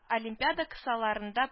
Олимпиада кысаларында